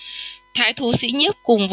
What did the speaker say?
thái thú sĩ nhiếp cùng